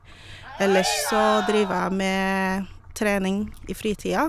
Ellers så driver jeg med trening i fritida.